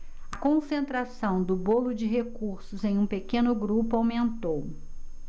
a concentração do bolo de recursos em um pequeno grupo aumentou